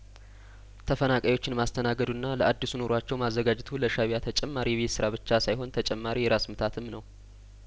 ተፈናቃዮችን ማስተናገዱና ለአዲሱ ኑሮዎቻቸው ማዘጋጀቱ ለሻእቢያ ተጨማሪ የቤት ስራ ብቻ ሳይሆን ተጨማሪ የራስምታትም ነው